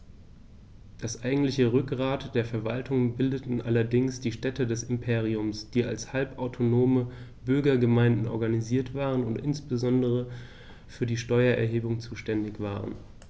Das eigentliche Rückgrat der Verwaltung bildeten allerdings die Städte des Imperiums, die als halbautonome Bürgergemeinden organisiert waren und insbesondere für die Steuererhebung zuständig waren.